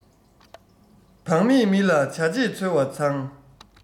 བག མེད མི ལ བྱ བྱེད འཚོལ བ མཚང